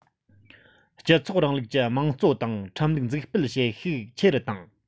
སྤྱི ཚོགས རིང ལུགས ཀྱི དམངས གཙོ དང ཁྲིམས ལུགས འཛུགས སྤེལ བྱེད ཤུགས ཆེ རུ བཏང